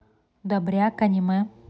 добряк аниме